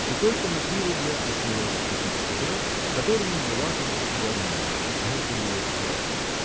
И только на три рубля осмелился купить сигар, которыми не лакомился давно, а это — его страсть.